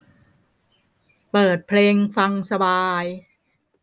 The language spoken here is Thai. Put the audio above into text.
เปิดเพลงฟังสบาย